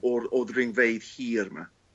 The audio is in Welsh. o'r o ddringfeydd hir 'ma.